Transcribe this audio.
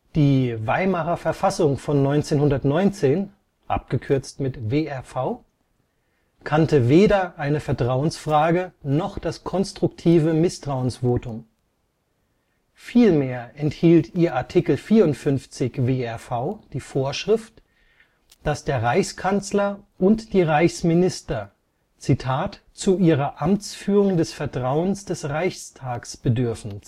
Die Weimarer Verfassung von 1919 (WRV) kannte weder eine Vertrauensfrage noch das konstruktive Misstrauensvotum. Vielmehr enthielt ihr Art. 54 WRV die Vorschrift, dass der Reichskanzler und die Reichsminister „ zu ihrer Amtsführung des Vertrauens des Reichstags “bedürfen